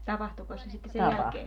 tapahtuikos se sitten sen jälkeen